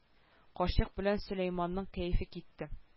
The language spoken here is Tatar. Карчык белән сөләйманның кәефе китте